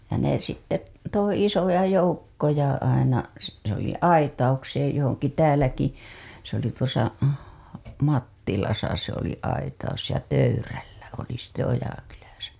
ja ne sitten - toi isoja joukkoja aina se se oli aitaukseen johonkin täälläkin se oli tuossa Mattilassa se oli aitaus ja töyryllä oli sitten Ojakylässä